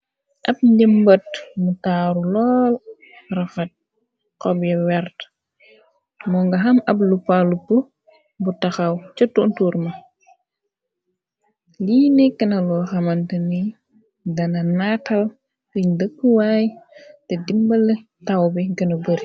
Ab njëmbat mu taaru lool rafet xobye wert moo nga xam ab lu pàlup bu taxaw ca tontuurma lii nekkna lu xamante ni dana naatal fiñ dëkkuwaay te dimbale tàw bi gëna bari.